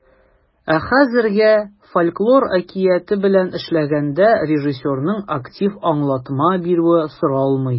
Ә хәзергә фольклор әкияте белән эшләгәндә режиссерның актив аңлатма бирүе соралмый.